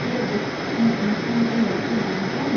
Jobbet nesten fem år i banken.